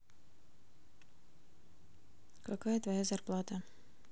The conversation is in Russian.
какая твоя зарплата